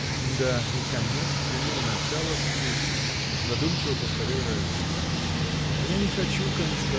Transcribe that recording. — Да — и конец всему, и начало скуке! — задумчиво повторил Райский. — А я не хочу конца!